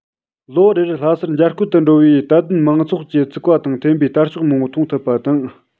ལོ རེར ལྷ སར མཇལ སྐོར དུ འགྲོ བའི དད ལྡན མང ཚོགས ཀྱིས བཙུགས པ དང འཐེན པའི དར ལྕོགས མཐོང ཐུབ པ དང